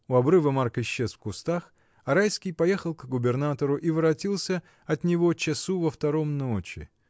У обрыва Марк исчез в кустах, а Райский поехал к губернатору и воротился от него часу во втором ночи.